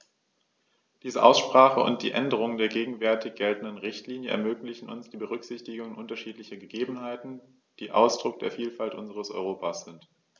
Diese Aussprache und die Änderung der gegenwärtig geltenden Richtlinie ermöglichen uns die Berücksichtigung unterschiedlicher Gegebenheiten, die Ausdruck der Vielfalt unseres Europas sind.